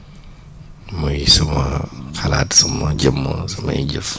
muy suma xalaat suma jëmm samay jëf